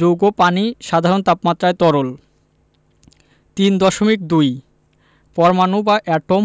যৌগ পানি সাধারণ তাপমাত্রায় তরল ৩.২ পরমাণু বা এটম